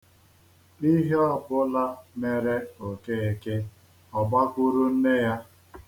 Ihe ọbụla mere Okeke, ọ gbakwuru nne ya.